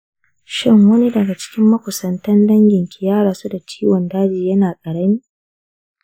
shin wani daga cikin makusantan danginki ya rasu da ciwon daji yana ƙarami?